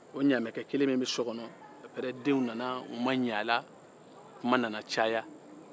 o ɲamɛkɛkelen min bɛ so kɔnɔ apɛrɛ denw nana o ma ɲ'a la kuma nana caya